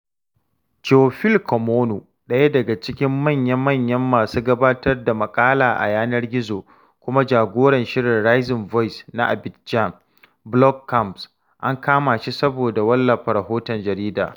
Théophile Kouamouo, ɗaya daga cikin manyan masu gabatar da maƙala a yanar gizo, kuma jagoran shirin Rising Voices na Abidjan Blog Camps, an kama shi saboda wallafa rahoton jarida.